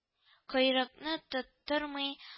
Койрыкны тоттырмый